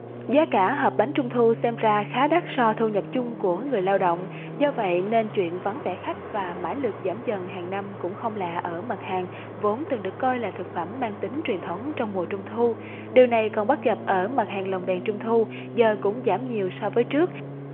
giá cả hộp bánh trung thu xem ra khá đắt so thu nhập chung của người lao động do vậy nên chuyện vắng vẻ khách và mã lực giảm dần hàng năm cũng không lạ ở mặt hàng vốn từng được coi là thực phẩm mang tính truyền thống trong mùa trung thu điều này còn bắt gặp ở mặt hàng lồng đèn trung thu giờ cũng giảm nhiều so với trước